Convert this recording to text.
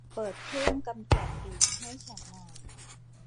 เปิดเครื่องกำจัดกลิ่นให้ฉันหน่อย